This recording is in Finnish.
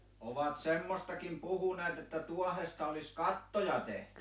ovat semmoistakin puhuneet että tuohesta olisi kattoja tehty